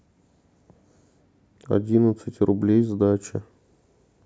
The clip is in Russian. одиннадцать рублей сдача